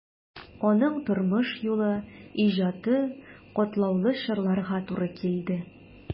Аның тормыш юлы, иҗаты катлаулы чорларга туры килде.